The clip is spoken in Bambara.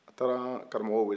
a taara karamɔgɔ weele